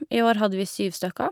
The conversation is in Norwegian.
I år hadde vi syv stykker.